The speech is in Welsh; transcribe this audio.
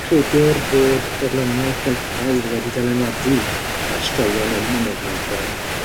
Credir bod chwedloniaeth Geltaidd wedi dylanwadu ar y straeon yn y Mabinogion